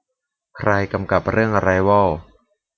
ใครกำกับเรื่องอะไรวอล